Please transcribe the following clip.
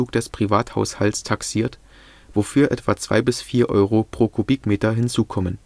des Privathaushalts taxiert, wofür etwa zwei bis vier Euro pro Kubikmeter hinzukommen